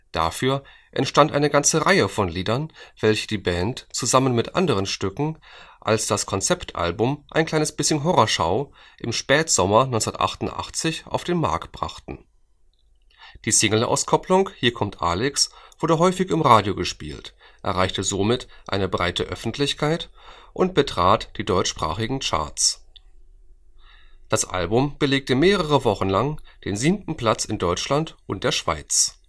Dafür entstand eine ganze Reihe von Liedern, welche die Band zusammen mit anderen Stücken als das Konzeptalbum Ein kleines bisschen Horrorschau im Spätsommer 1988 auf den Markt brachten. Die Singleauskopplung Hier kommt Alex wurde häufig im Radio gespielt, erreichte somit eine breite Öffentlichkeit und betrat die deutschsprachigen Charts. Das Album belegte mehrere Wochen lang den 7. Platz in Deutschland und der Schweiz